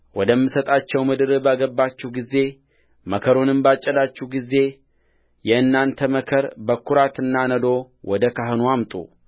ወደምሰጣችሁ ምድር በገባችሁ ጊዜ መከሩንም ባጨዳችሁ ጊዜ የእናንተን መከር በኵራት ነዶ ወደ ካህኑ አምጡ